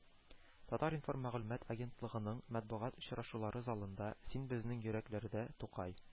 “татар-информ” мәгълүмат агентлыгының матбугат очрашулары залында “син безнең йөрәкләрдә, тукай